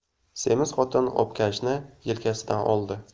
semiz xotin obkashni yelkasidan oldi